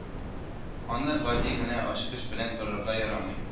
Аны гади генә ачкыч белән борырга ярамый